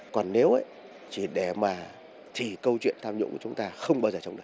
còn nếu ấy chỉ để mà thì câu chuyện tham nhũng của chúng ta không bao giờ chống được